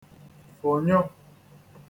-fụ̀nyụ